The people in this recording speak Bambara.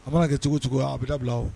A mana kɛ cogo cogo a bi labila wu.